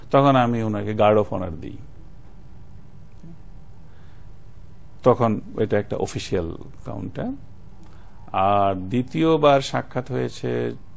তখন আমি ওনাকে গার্ড অফ অনার দি তখন এটা একটা অফিশিয়াল কাউন্ট হ্যাঁ আর দ্বিতীয় বার সাক্ষাৎ হয়েছে